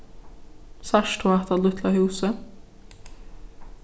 sært tú hatta lítla húsið